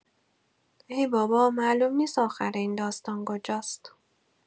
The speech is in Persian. ای بابا معلوم نیست آخر این داستان کجاست.